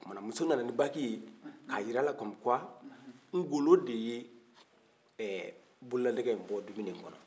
o tuma na muso nana ni baki ye k'a jira a la '' comme quoi'' ngolo de ye ɛɛ bolilanɛgɛ in bɔ dumuni kɔnɔ